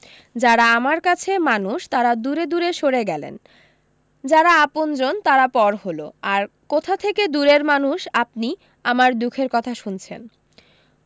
যারা আমার কাছের মানুষ তারা দূরে দূরে সরে গেলেন যারা আপনজন তারা পর হলো আর কোথা থেকে দূরের মানুষ আপনি আমার দুখের কথা শুনছেন